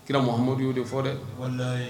Kirara maha bɛ yeo de fɔ dɛ wala